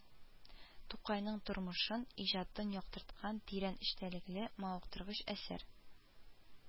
Тукайның тормышын, иҗатын яктырткан тирән эчтәлекле, мавыктыргыч әсәр